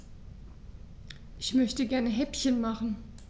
Ich möchte gerne Häppchen machen.